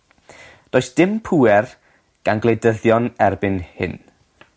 Does dim pŵer gan gwleidyddion erbyn hyn.